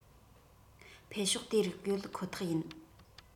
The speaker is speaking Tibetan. འཕེལ ཕྱོགས དེ རིགས ཡོད ཁོ ཐག ཡིན